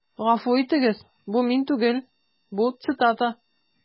Гафу итегез, бу мин түгел, бу цитата.